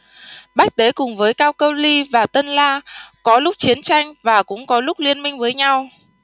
bách tế cùng với cao câu ly và tân la có lúc chiến tranh và cũng có lúc liên minh với nhau